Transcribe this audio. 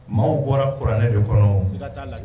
Maaw bɔra kuranɛ de kɔnɔ taa la